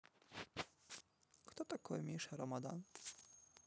кто такой миша рамадан